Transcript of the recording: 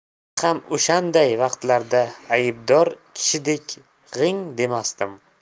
men ham o'shanday vaqtlarda aybdor kishidek g'ing demasdim